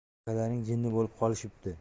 akalaring jinni bo'lib qolishibdi